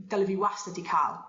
dyle fi wastad 'di ca'l.